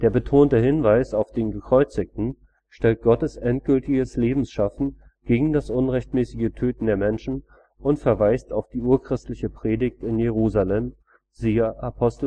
betonte Hinweis auf „ den Gekreuzigten “stellt Gottes endgültiges Lebenschaffen gegen das unrechtmäßige Töten der Menschen und verweist auf die urchristliche Predigt in Jerusalem (Apg 4,10